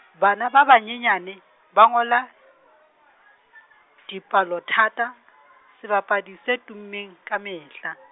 bana ba ba nyenyane, ba ngola, dipalothata, sebapadi se tummeng kamehla.